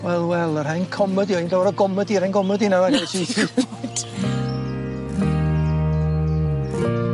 Wel wel yr comedi dod o gomedi